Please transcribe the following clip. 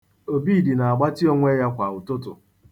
Obidi na-agbatị onwe ya kwa ụtụtụ.